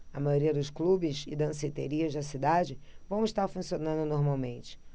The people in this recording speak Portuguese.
a maioria dos clubes e danceterias da cidade vai estar funcionando normalmente